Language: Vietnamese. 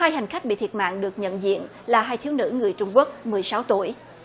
hai hành khách bị thiệt mạng được nhận diện là hai thiếu nữ người trung quốc mười sáu tuổi